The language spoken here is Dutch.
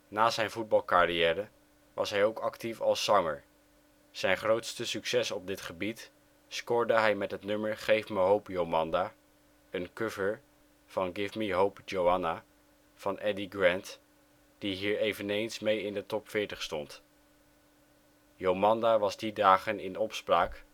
Na zijn voetbalcarrière was hij ook actief als zanger, zijn grootste succes op dit gebied scoorde hij met het nummer Geef me hoop Jomanda, een cover van Give me hope Joanna van Eddy Grant die hier eveneens mee in de top 40 stond. Jomanda was die dagen in opspraak